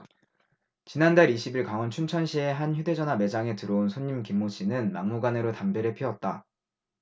지난달 이십 일 강원 춘천시의 한 휴대전화 매장에 들어온 손님 김모 씨는 막무가내로 담배를 피웠다